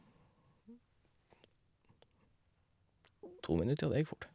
To minutter, ja, det gikk fort.